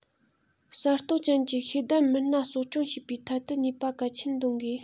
གསར གཏོད ཅན གྱི ཤེས ལྡན མི སྣ གསོ སྐྱོང བྱེད པའི ཐད དུ ནུས པ གལ ཆེན འདོན དགོས